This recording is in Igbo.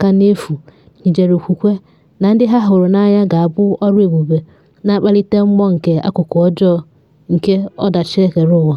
ka na efu jidere okwukwe na ndị ha hụrụ n’anya ga-abụ ọrụ ebube na akpalite mmụọ nke akụkụ ọjọọ nke ọdachi ekereụwa.